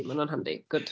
Ma' hwnna'n handi. Gwd!